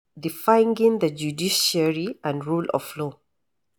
De-fanging the judiciary and rule of law